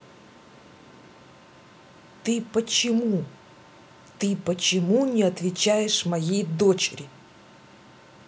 ты почему ты почему не отвечаешь моей дочери